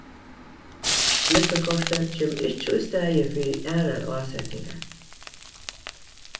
klippikortið kemur ikki í staðin fyri aðrar ásetingar